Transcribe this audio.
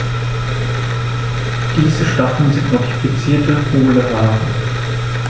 Diese Stacheln sind modifizierte, hohle Haare.